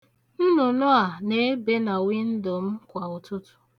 Nnunu a na-ebe na windo m kwa ụtụtụ.